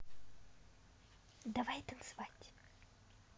давай танцевать